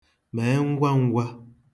mèe ngwan̄gwā